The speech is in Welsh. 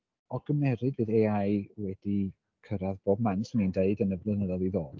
O gymeryd fydd AI wedi cyrraedd bob man 'swn i'n deud yn y blynyddoedd i ddod.